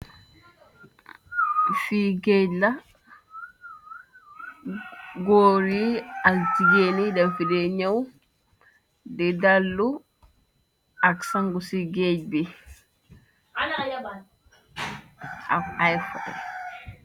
Fi géej la , góor yi ak jigéeni da fide ñëw di dallu ak sangu ci géej bi.